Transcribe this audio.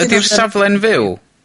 Ydi'r safle'n fyw?